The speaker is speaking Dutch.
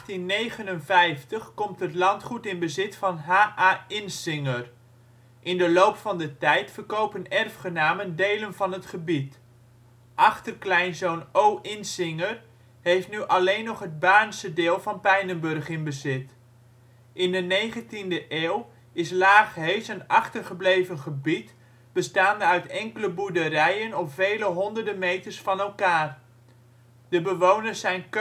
In 1859 komt het landgoed in bezit van H.A. Insinger. In de loop van de tijd verkopen erfgenamen delen van het gebied. Achterkleinzoon O. Insinger heeft nu alleen nog het Baarnse deel van Pijnenburg in bezit. In de 19e eeuw is (Laag) Hees een achtergebleven gebied, bestaande uit enkele boerderijen op vele honderden meters van elkaar. De bewoners zijn keuterboeren